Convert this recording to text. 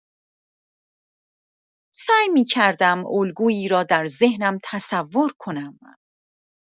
سعی می‌کردم الگویی را در ذهنم تصور کنم.